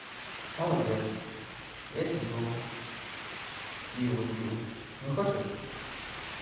молодец я сижу пиво пью не хочешь